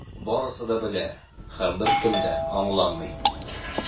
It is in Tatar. Барысы да белә - һәм беркем дә аңламый.